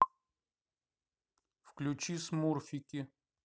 включи смурфики